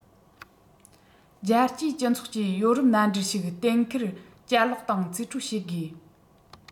རྒྱལ སྤྱིའི སྤྱི ཚོགས ཀྱིས ཡོ རོབ མནའ འབྲེལ ཞིག གཏན འཁེལ བསྐྱར ལོག དང རྩིས སྤྲོད བྱེད དགོས